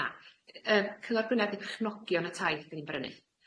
Na yy cyngor Gwynedd di perchnogion y tai da ni'n i brynu.